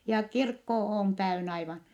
ja kirkko on täynnä aivan